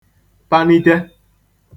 panite